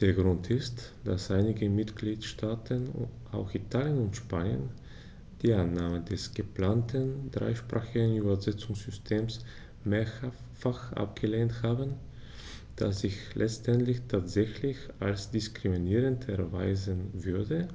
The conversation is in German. Der Grund ist, dass einige Mitgliedstaaten - auch Italien und Spanien - die Annahme des geplanten dreisprachigen Übersetzungssystems mehrfach abgelehnt haben, das sich letztendlich tatsächlich als diskriminierend erweisen würde,